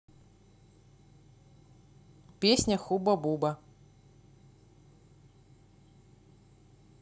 песня хуба буба